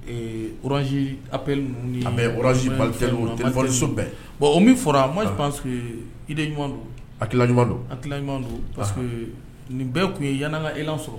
Eee z apl an bɛ z balisobɛn bon o min fɔra a ma i de ɲuman akila ɲumandon a kila ɲuman don nin bɛɛ tun ye yanana e la sɔrɔ